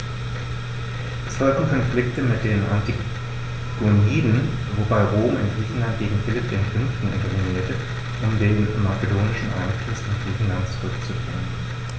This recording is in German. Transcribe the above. Es folgten Konflikte mit den Antigoniden, wobei Rom in Griechenland gegen Philipp V. intervenierte, um den makedonischen Einfluss in Griechenland zurückzudrängen.